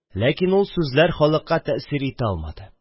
Ләкин ул сүзләр халыкка тәэсир итә алмады.